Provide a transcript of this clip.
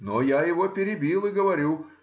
Но я его перебил и говорю